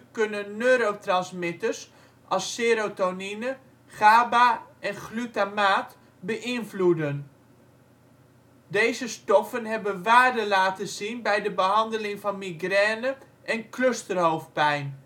kunnen neurotransmitters (als serotonine, GABA en glutamaat) beïnvloeden. Deze stoffen hebben waarde laten zien bij de behandeling van migraine en clusterhoofdpijn